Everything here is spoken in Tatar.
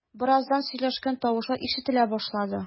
Бераздан сөйләшкән тавышлар ишетелә башлады.